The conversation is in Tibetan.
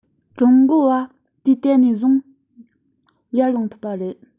ཀྲུང གོ བ དུས དེ ནས བཟུང ཡར ལངས ཐུབ པ རེད